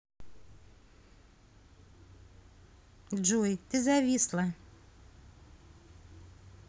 джой ты зависла